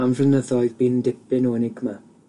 Am flynyddoedd bu'n dipyn o enigma.